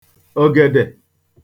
ogede